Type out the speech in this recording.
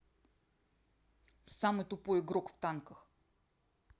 самый тупой игрок в танках